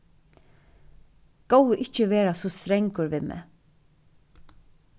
góði ikki vera so strangur við meg